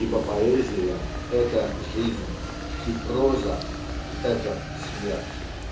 Ибо поэзия -- это жизнь и проза -- это смерть.